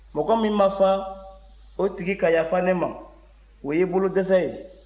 mɔgɔ min ma fa o tigi ka yafa ne ma o ye bolodɛsɛ ye